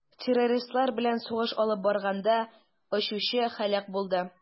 Террористлар белән сугыш алып барганда очучы һәлак булды.